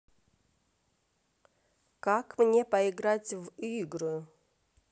как мне поиграть в игры